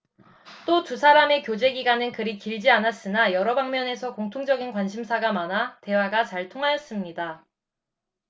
또 두 사람의 교제기간은 그리 길지 않았으나 여러 방면에서 공통적인 관심사가 많아 대화가 잘 통하였습니다